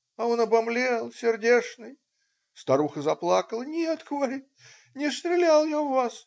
он обомлел сердешный (старуха заплакала), нет, говорит, не стрелял я в вас.